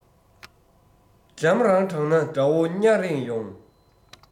འཇམ རང དྲགས ན དགྲ བོ གཉའ རེངས ཡོང